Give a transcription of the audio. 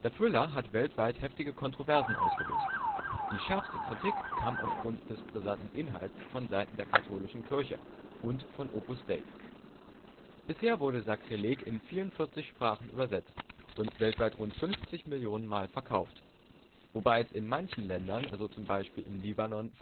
Thriller hat weltweit heftige Kontroversen ausgelöst; die schärfste Kritik kam aufgrund des brisanten Inhalts von Seiten der katholischen Kirche und von Opus Dei. Bisher wurde Sakrileg in 44 Sprachen übersetzt und weltweit rund fünfzig Millionen Mal verkauft (Stand: Mai 2006), wobei es in manchen Ländern, so zum Beispiel im Libanon, verboten